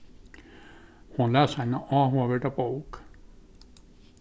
hon las eina áhugaverda bók